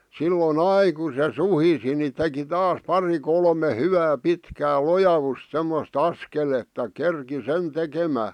silloin aina kun se suhisi niin teki taas pari kolme hyvää pitkää lojausta semmoista askeletta kerkesi sen tekemään